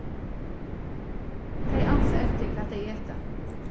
tey ansa eftir hvat tey eta